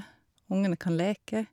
Ungene kan leke.